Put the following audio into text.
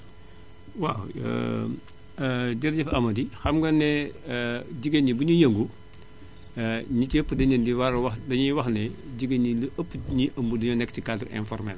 waaw jërëjëf Amady xam nga ne jigéen ñi bu ñuy yëngu ñi ci ëpp dañu leen di war wax dañuy wax ne jigéen ñi li ëpp ñi ëmb dañoo nekk ci cadre informel